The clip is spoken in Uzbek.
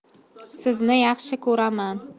sizni yaxshi ko'raman